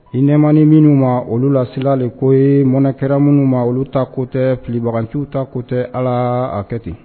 I nema minnu ma olu lasi de ko ye mɔnɛ kɛra minnu ma olu ta ko tɛ filibagaganciw ta ko tɛ ala a kɛ ten